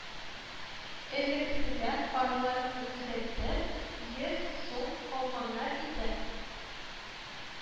Элеккесендә фараларымны төзәтеп, йөз сум алганнар иде